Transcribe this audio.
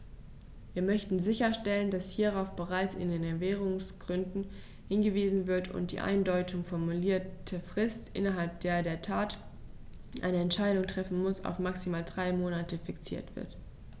Wir möchten sicherstellen, dass hierauf bereits in den Erwägungsgründen hingewiesen wird und die uneindeutig formulierte Frist, innerhalb der der Rat eine Entscheidung treffen muss, auf maximal drei Monate fixiert wird.